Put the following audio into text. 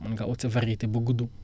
mën nga ut sa variété bu gudd